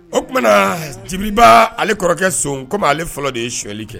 O tumana Jibiri Ba ale kɔrɔkɛ nson kɔmi ale fɔlɔ de ye sonyali kɛ